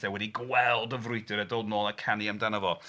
..a wedi gweld y frwydr a dod nôl a canu amdano fo.